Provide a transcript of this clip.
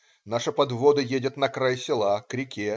Наша подвода едет на край села, к реке.